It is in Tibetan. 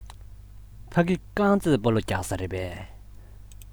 ཕ གི རྐང རྩེད སྤོ ལོ རྒྱག ས རེད པས